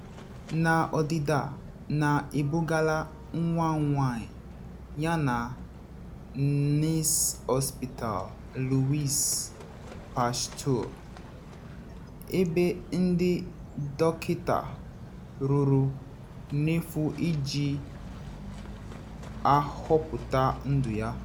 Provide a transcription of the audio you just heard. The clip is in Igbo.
Na ọdịda na ebugala nwa nwanyị ya na Nice’s Hospital Louis Pasteur 2, ebe ndị dọkịnta rụrụ n’efu iji zọpụta ndụ ya.